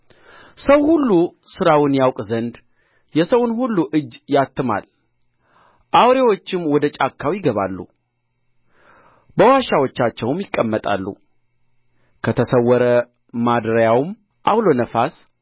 ሰው ሁሉ ሥራውን ያውቅ ዘንድ የሰውን ሁሉ እጅ ያትማል አውሬዎቹም ወደ ጫካው ይገባሉ በዋሾቻቸውም ይቀመጣሉ ከተሰወረ ማደሪያውም ዐውሎ ነፋስ